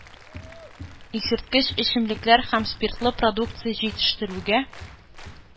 Исерткеч эчемлекләр һәм спиртлы продукция җитештерүгә,